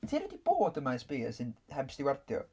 Ti erioed 'di bod yn Maes B as in heb stiwardio?